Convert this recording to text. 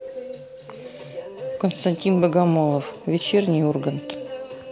константин богомолов вечерний ургант